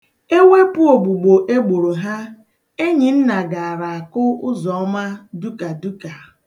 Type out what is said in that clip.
Ewepụ ogbugbo e gboro ha, Enyinna gaara akụ Ụzọma dukaduka.